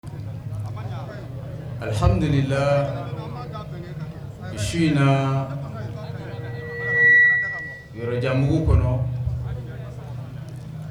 Alihamdula su in na yɔrɔjanbugu kɔnɔ